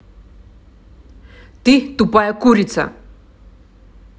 ты тупая курица